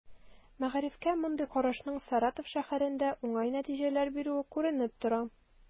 Мәгарифкә мондый карашның Саратов шәһәрендә уңай нәтиҗәләр бирүе күренеп тора.